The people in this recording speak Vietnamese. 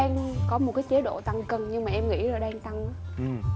em có một cái chế độ tăng cân nhưng mà em nghĩ là nó đang tăng đó